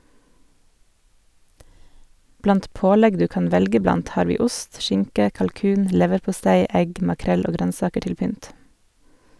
Blant pålegg du kan velge blant har vi ost, skinke, kalkun, leverpostei, egg, makrell og grønnsaker til pynt.